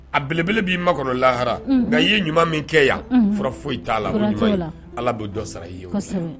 A belebele b'i makɔrɔ lahara nka i ye ɲuman min kɛ yan fura foyi t'a la Ala bɛ dɔ sara i ye o la